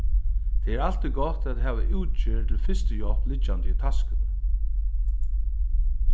tað er altíð gott at hava útgerð til fyrstuhjálp liggjandi í taskuni